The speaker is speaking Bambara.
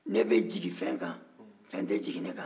ne bɛ jigin fɛn fɛn tɛ jigin ne kan